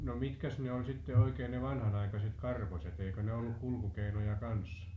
no mitkäs ne oli sitten oikein ne vanhanaikaiset karposet eikö ne ollut kulkukeinoja kanssa